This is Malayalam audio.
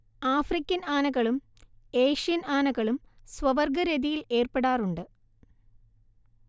ആഫ്രിക്കൻ ആനകളും ഏഷ്യൻ ആനകളും സ്വവർഗ്ഗരതിയിൽ ഏർപ്പെടാറുണ്ട്